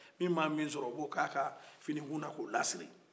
min mana min sɔrɔ o b'o kɛ a ka finikun k'o lasiri